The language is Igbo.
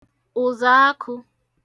ụ̀zàakụ̄